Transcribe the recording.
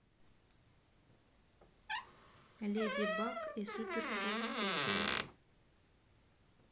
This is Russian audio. леди баг и супер кот куклы